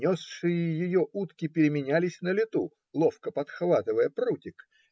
несшие ее утки переменялись на лету, ловко подхватывая прутик